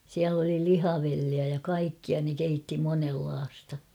siellä oli lihavelliä ja kaikkia ne keitti monenlaista